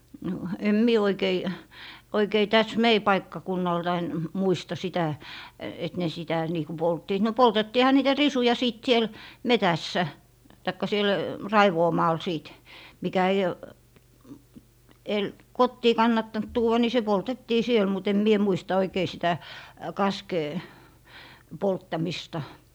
no en minä oikein tässä meidän paikkakunnaltamme muista sitä että ne sitä niin kuin polttivat no poltettiinhan niitä risuja sitten siellä metsässä tai siellä raivuumaalla sitten mikä ei - kotiin kannattanut tuoda niin se poltettiin siellä mutta en minä muista oikein sitä kaskea polttamista